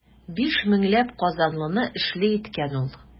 Биш меңләп казанлыны эшле иткән ул.